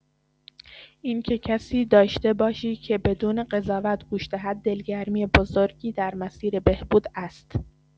اینکه کسی داشته باشی که بدون قضاوت گوش دهد، دلگرمی بزرگی در مسیر بهبود است.